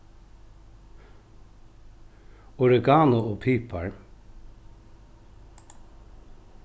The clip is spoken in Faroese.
oregano og pipar